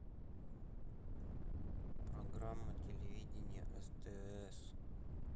программа телевидения стс